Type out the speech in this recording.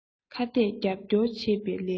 ཁ གཏད རྒྱབ སྐྱོར བྱེད པའི ལས ཀའི